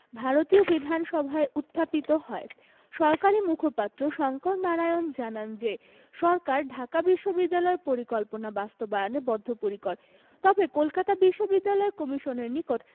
ভারতীয় বিধানসভায় উত্থাপিত হয় সরকারি মুখপাত্র শঙ্কর নারায়ণ জানান যে সরকার ঢাকা বিশ্ববিদ্যালয় পরিকল্পনা বাস্তবায়নে বদ্ধপরিকর তবে কলকাতা বিশ্ববিদ্যালয় কমিশনের নিকট